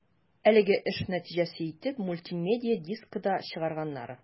Әлеге эш нәтиҗәсе итеп мультимедия дискы да чыгарганнар.